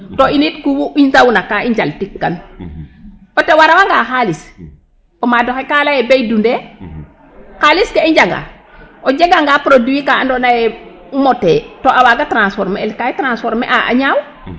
To init ku i ndawna ka i njaltikkan o tew a rawanga xaalis o maad oxe kaa lay ee bey dunde xaalis ke i njaga o jeganga produit ka andoona yee mote to a waaga transformer ka i transformer a ñaaw.